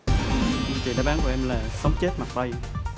thưa chị đáp án của em là sống chết mặc